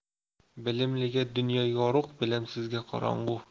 bilimliga dunyo yorug' bilimsizga qorong'u